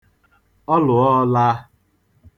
ọlụ̀ọọ̄lāā